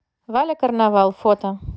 валя карнавал фото